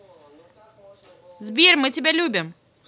сбер мы тебя любим